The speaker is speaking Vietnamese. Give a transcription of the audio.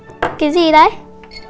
cái gì đấy